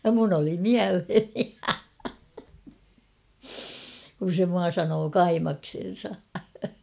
ja minun oli mieleeni kun se minua sanoi kaimaksensa